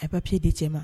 A bapi i di cɛ ma